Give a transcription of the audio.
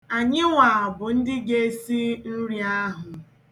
Anyịnwa bụ ndị ga-esi nri ahụ.